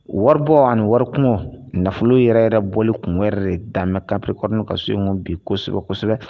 Waribɔ ani warik nafolo yɛrɛ yɛrɛ bɔ tun wɛrɛ de daminɛ kabprikr ka so inw bi kosɛbɛ kosɛbɛ